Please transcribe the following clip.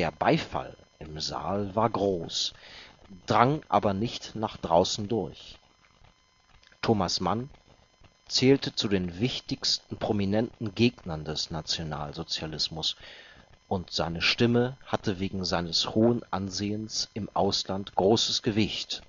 Beifall im Saal war groß, drang aber nicht nach draußen durch. Thomas Mann zählte zu den wichtigsten prominenten Gegnern des Nationalsozialismus, und seine Stimme hatte wegen seines hohen Ansehens im Ausland großes Gewicht